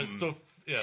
Y stwff ie.